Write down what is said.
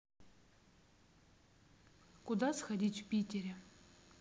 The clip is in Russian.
куда сходить в питере